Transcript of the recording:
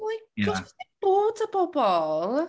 My God... ie ...be sy'n bod 'da bobl?